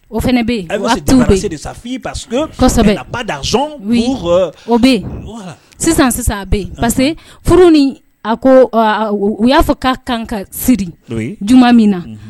O fana bɛ yen o bɛ yen sisan sisan bɛ yen parce furu ni a ko u y'a fɔ k'a kan ka siri juma min na